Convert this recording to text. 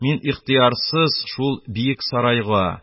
Мин ихтыярсыз шул биек сарайга